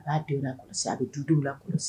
A b'a denw la kɔlɔsi a bɛ du denw la kɔlɔsi